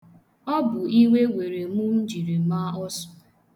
Ọ bụ iwe were mụ m jiri maa ọsụ.